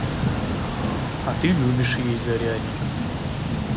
а ты любишь есть зарядник